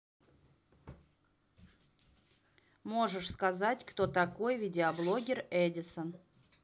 можешь сказать кто такой видеоблогер эдисон